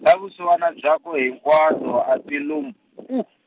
ta vusiwana byakwe hinkwato a ti lo, mphuu.